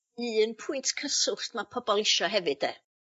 un pwynt cyswllt ma' pobol isio hefyd 'de?